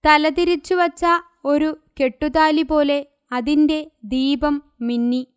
തലതിരിച്ചു വച്ച ഒരു കെട്ടുതാലിപോലെ അതിന്റെ ദീപം മിന്നി